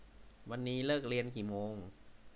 วันนี้เลิกเรียนกี่โมง